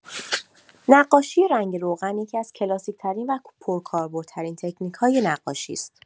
نقاشی رنگ روغن یکی‌از کلاسیک‌ترین و پرکاربردترین تکنیک‌های نقاشی است.